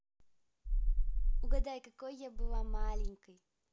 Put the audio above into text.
угадай какой я была маленькой